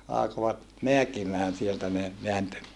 alkoivat määkimään sieltä ne vääntö